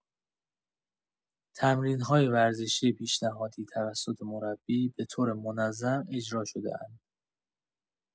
تمرین‌های ورزشی پیشنهادی توسط مربی به‌طور منظم اجرا شده‌اند.